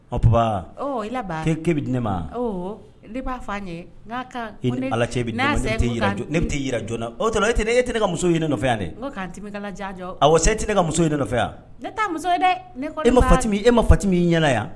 Ɔ papa e la Baa, ɔ k'e bɛ di ne ma , ɔɔ, ne b'aa fɔ a yɛna, bila ka , ne y'a fɔ, e ni allah _ cɛ! Ne bɛ t'e yira jɔn na? o e ɲɛ tɛ ne ka muso ninnu na nɔfɛ yan dɛ! Nko nka tulu kalaban dɔ, Wa e tɛ ne ka muso ne nɔfɛ yan dɛ, ne tɛ e muso ye dɛ! E Fati y'i ɲɛna yan!